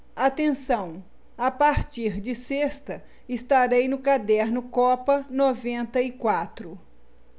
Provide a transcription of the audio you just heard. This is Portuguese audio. atenção a partir de sexta estarei no caderno copa noventa e quatro